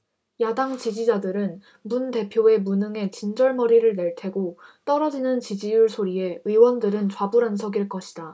야당 지지자들은 문 대표의 무능에 진절머리를 낼 테고 떨어지는 지지율 소리에 의원들은 좌불안석일 것이다